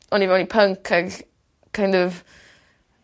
o'n i mewn i punk ag kind of